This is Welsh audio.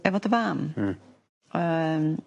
efo dy fam... Hmm. ...yym